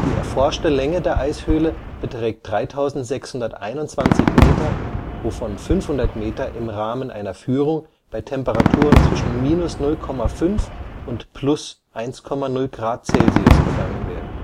erforschte Länge der Eishöhle beträgt 3621 Meter, wovon 500 Meter im Rahmen einer Führung bei Temperaturen zwischen −0,5 und +1,0 Grad Celsius begangen werden